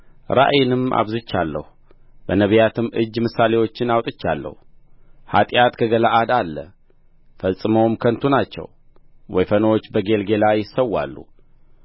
ራእይንም አብዝቻለሁ በነቢያትም እጅ ምሳሌዎችን አውጥቻለሁ ኃጢአት በገለዓድ አለ ፈጽመው ከንቱ ናቸው ወይፈኖች በጌልገላ ይሠዋሉ